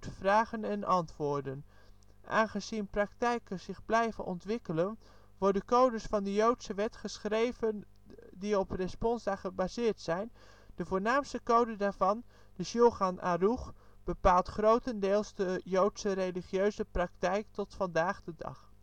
vragen en antwoorden '). Aangezien praktijken zich blijven ontwikkelen, worden codes van de joodse wet geschreven die op responsa gebaseerd zijn; de voornaamste code daarvan, de Sjoelchan Aroech, bepaalt grotendeels de joodse religieuze praktijk tot vandaag de dag